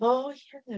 O, ie.